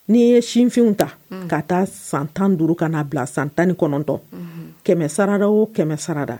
N'i ye sinfinw ta ka taa san tan duuru ka'a bila san tanni kɔnɔntɔn kɛmɛ sarada o kɛmɛ sarada